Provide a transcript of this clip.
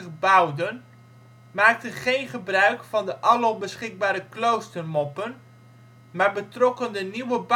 bouwden, maakten geen gebruik van de alom beschikbare kloostermoppen, maar betrokken de nieuwe